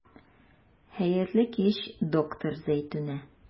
Хәерле кич, доктор Зәйтүнә.